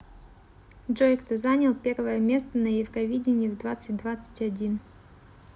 джой кто занял первое место на евровидение в двадцать двадцать один